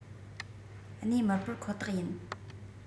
གནས མི སྤོར ཁོ ཐག ཡིན